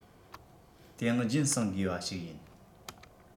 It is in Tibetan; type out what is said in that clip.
དེ ཡང རྒྱུན བསྲིང དགོས པ ཞིག ཡིན